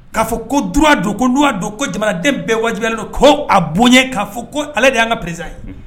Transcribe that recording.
Ka'a fɔ ko du don ko dugwa don ko jamanaden bɛɛ wajibiyalen don ko a bonya kaa fɔ ko ale de y' ka prez ye